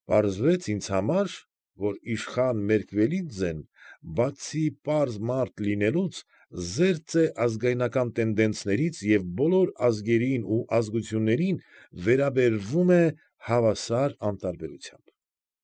Պարզվեց ինձ համար, որ իշխան Մերկվելիձեն բացի պարզ մարդ լինելուց, զերծ է ազգայնական տենդենցներից և բոլոր ազգերին ու ազգություններին վերաբերվում է հավասար անտարբերությամբ։